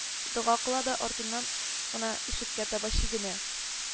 Дога кыла да, артыннан гына ишеккә таба чигенә